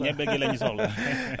ñebe gi la ñu soxla